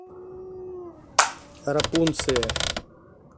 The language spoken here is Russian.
рапунция